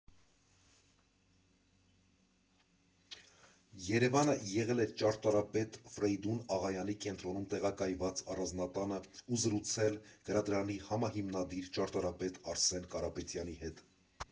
ԵՐԵՎԱՆը եղել է ճարտարապետ Ֆրեյդուն Աղայանի կենտրոնում տեղակայված առանձնատանը ու զրուցել գրադարանի համահիմնադիր, ճարտարապետ Արսեն Կարապետյանի հետ։